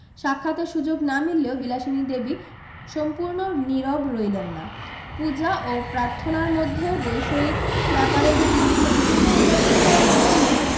সাক্ষাতের সু্যোগ না মিললেও বিলাসিনী দেবী সম্পূর্ণ নীরব রইলেন না পূজা ও প্রার্থনার মধ্যেও বৈষয়িক ব্যাপারে যে তিনি সম্পূর্ণ উদাসীন হয়ে ওঠেন নি